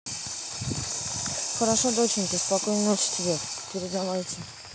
хорошо доченька спокойной ночи тебе передавайте